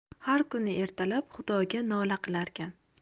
har kuni ertalab xudoga nola qilarkan